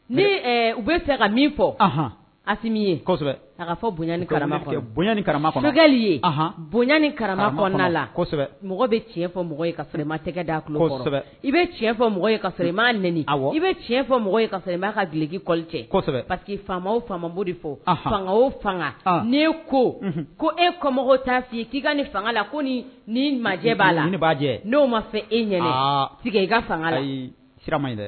U ka fɔ ali bonya kara mɔgɔ bɛ cɛn fɔ mɔgɔ ma tɛgɛ i fɔ i m' n i bɛ cɛn fɔ i'a kakili cɛ pa faama o de fɔ fanga o fanga n ko ko e kɔ t ta k'i ka ne la ko majɛ b'a la b'a'o ma fɛ e ɲɛ i